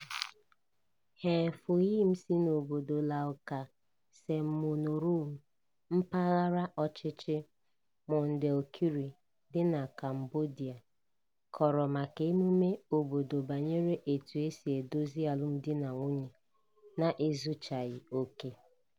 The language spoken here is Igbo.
Hea Phoeun si n'Obodo Laoka, Senmonorom, Mpaghara Ọchịchị Mondulkiri dị na Cambodia kọrọ maka emume obodo banyere etu e si edozi alumdinanwunye na-ezuchaghị oke.